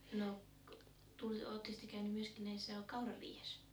no -- olettekos te käynyt myöskin näissä kaurariihessä